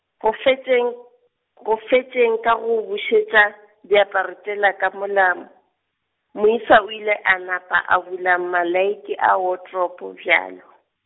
go fetšeng, go fetšeng ka go bušetša, diaparo tšela ka mola m-, moisa o ile a napa a bula malaiki a watropo bjalo.